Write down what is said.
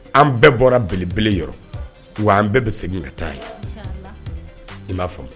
An bɛɛ bɔra belebele yɔrɔ wa an bɛɛ bɛ segin ka taa ye i b'a fɔ